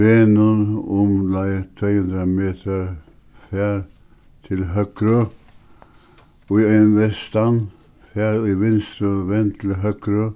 vegnum umleið tvey hundrað metrar far til høgru í ein vestan far í vinstru vend til høgru